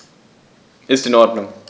Ist in Ordnung.